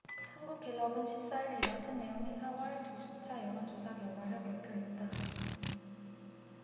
한국갤럽은 십 사 일 이같은 내용의 사 월 두 주차 여론조사 결과를 발표했다